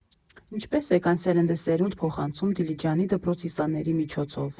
Ինչպե՞ս եք այն սերնդեսերունդ փոխանցում Դիլիջանի դպրոցի սաների միջոցով։